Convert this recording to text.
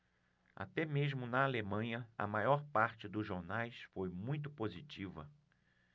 até mesmo na alemanha a maior parte dos jornais foi muito positiva